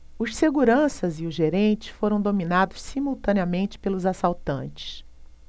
os seguranças e o gerente foram dominados simultaneamente pelos assaltantes